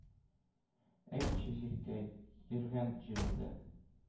— әйтче, җилкәй, йөргән җиреңдә